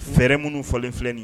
Fɛ minnu fɔlen filɛin